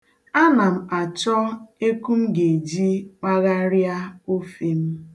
Ana m achọ eku m ga-eji kpagharịa ofe m.